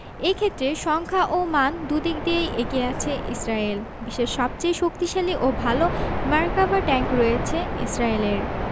এ ক্ষেত্রে সংখ্যা ও মান দুদিক দিয়েই এগিয়ে আছে ইসরায়েল বিশ্বের সবচেয়ে শক্তিশালী ও ভালো মার্কাভা ট্যাংক রয়েছে ইসরায়েলের